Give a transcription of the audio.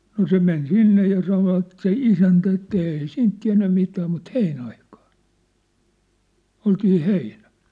no se meni sinne ja sanoivat se isäntä että ei siitä tiennyt mitään mutta heinäaikaan oltiin heinällä